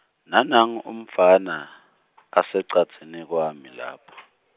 Nanangu umfana, asecadzini kwami lapha.